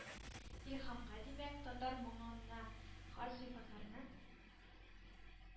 Илһамга, димәк, татар моңына хас сыйфатларны